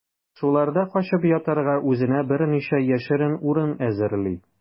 Шуларда качып ятарга үзенә берничә яшерен урын әзерли.